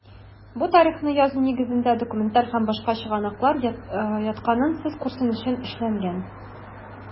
Бу тарихны язу нигезенә документаль һәм башка чыгынаклыр ятканын сез күрсен өчен эшләнгән.